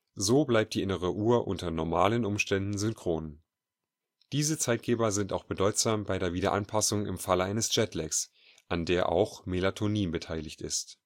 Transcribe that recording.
so bleibt sie unter normalen Umständen synchron. Diese Zeitgeber sind auch bedeutsam bei der Wiederanpassung im Falle eines Jetlags, an der auch Melatonin beteiligt ist